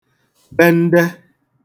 bende